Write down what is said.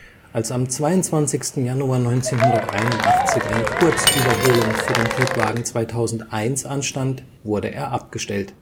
Als am 22. Januar 1981 eine Kurzüberholung für den Triebwagen 2001 anstand, wurde er abgestellt